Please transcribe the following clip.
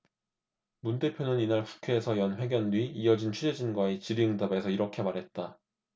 문 대표는 이날 국회에서 연 회견 뒤 이어진 취재진과의 질의응답에서 이렇게 말했다